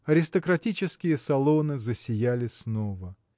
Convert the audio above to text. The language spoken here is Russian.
Аристократические салоны засияли снова.